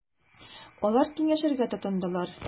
Алар киңәшергә тотындылар.